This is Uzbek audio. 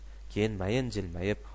keyin mayin jilmayib